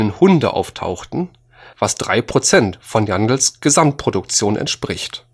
Hunde auftauchten, was drei Prozent von Jandls Gesamtproduktion entspricht